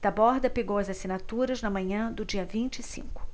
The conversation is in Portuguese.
taborda pegou as assinaturas na manhã do dia vinte e cinco